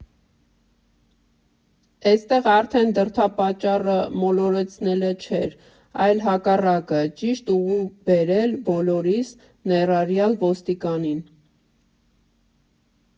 Էստեղ արդեն դրդապատճառը մոլորեցնելը չէր, այլ հակառակը՝ ճիշտ ուղու բերել բոլորիս՝ ներառյալ ոստիկանին։